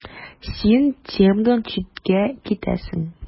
Гарри: Син темадан читкә китәсең.